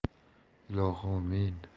ilohi omi in